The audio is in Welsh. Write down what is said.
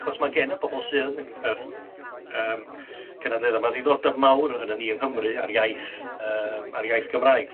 achos mae gen y bobl sydd yn y c- yr yym canadledda 'ma ddiddordeb mawr arnon ni yng Nghymru a'r iaith yym a'r iaith Gymraeg.